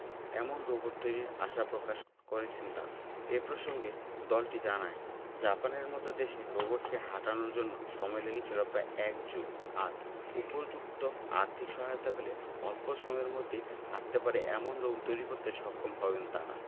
এমন রোবট তৈরির আশা প্রকাশ করেছেন তারা এ প্রসঙ্গে দলটি জানায় জাপানের মতো দেশে রোবটকে হাঁটানোর জন্য সময় লেগেছিল প্রায় এক যুগ আর উপযুক্ত আর্থিক সহায়তা পেলে অল্প সময়ের মধ্যেই হাঁটতে পারে এমন রোবট তৈরি করতে সক্ষম হবেন তারা